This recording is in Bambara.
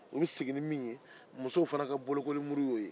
u bɛ sigi ni min ye musow fana ka bolokoli ye o ye